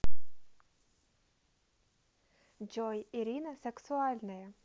джой ирина сексуальная